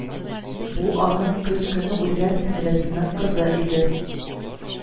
Бу – аның көз көне үлгән сеңлесенең кызы иде